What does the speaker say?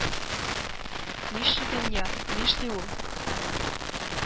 Нишли дөнья, нишли ул?